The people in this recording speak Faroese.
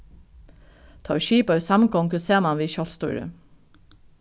teir skipaðu samgongu saman við sjálvstýri